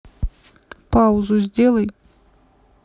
паузу сделай